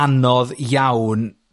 anodd iawn